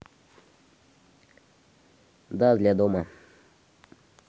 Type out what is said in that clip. да для дома